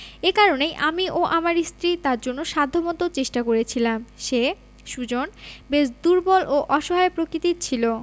এ কারণেই আমি ও আমার স্ত্রী তাঁর জন্য সাধ্যমতো করার চেষ্টা করেছিলাম সে সুজন বেশ দুর্বল ও অসহায় প্রকৃতির ছিল